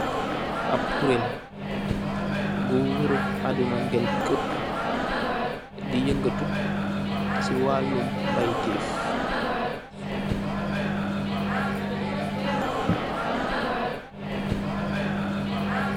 Ak kurin gu worrr aduna ngel keup, di yehngatu cii waaloum maybe teuff.